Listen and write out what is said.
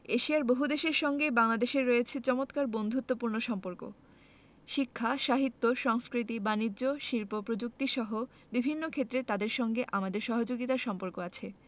এশিয়ার বহুদেশের সঙ্গেই বাংলাদেশের রয়েছে চমৎকার বন্ধুত্বপূর্ণ সম্পর্ক শিক্ষাসাহিত্য সংস্কৃতি বানিজ্য শিল্প প্রযুক্তিসহ বিভিন্ন ক্ষেত্রে তাদের সঙ্গে আমাদের সহযোগিতার সম্পর্ক আছে